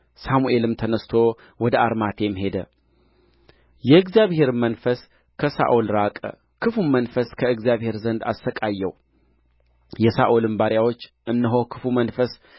ሳሙኤልም ተነሥቶ ወደ አርማቴም ሄደ የእግዚአብሔርም መንፈስ ከሳኦል ራቀ ክፉም መንፈስ ከእግዚአብሔር ዘንድ አሠቃየው የሳኦልም ባሪያዎች እነሆ ክፉ መንፈስ